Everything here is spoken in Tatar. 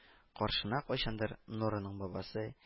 Каршына кайчандыр нораның бабасы